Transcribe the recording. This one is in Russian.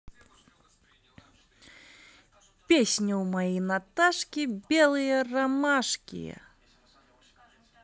песня у моей наташки белые ромашки